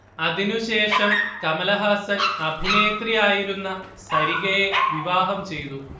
അതിനുശേഷം കമലഹാസൻ അഭിനേത്രി ആയിരുന്ന സരികയെ വിവാഹം ചെയ്തു